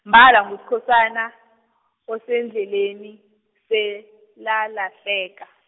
mbala nguSkhosana, usendleleni, selalahleka.